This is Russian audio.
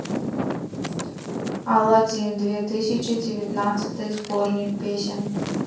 алладин две тысячи девятнадцатый сборник песен